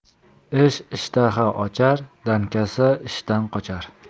ish ishtaha ochar dangasa ishdan qochar